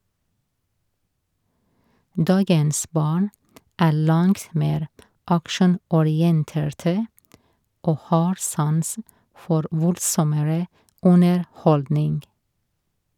Dagens barn er langt mer actionorienterte og har sans for voldsommere underholdning.